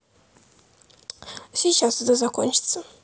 сейчас это закончится